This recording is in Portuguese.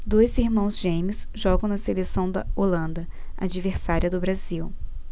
dois irmãos gêmeos jogam na seleção da holanda adversária do brasil